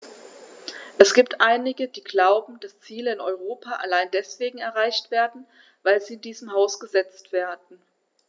Es gibt einige, die glauben, dass Ziele in Europa allein deswegen erreicht werden, weil sie in diesem Haus gesetzt werden.